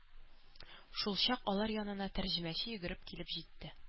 Шулчак алар янына тәрҗемәче йөгереп килеп җитте.